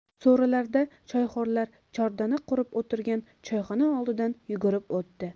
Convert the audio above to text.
so'rilarda choyxo'rlar chordana qurib o'tirgan choyxona oldidan yugurib o'tdi